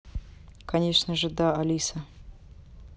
конечно же да алиса